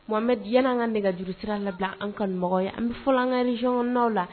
An bɛ d an ka nɛgɛ juru sira labila an kamɔgɔ ye an bɛ fɔ an kazɔnnaw la